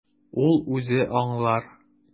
Ул үзе аңлар.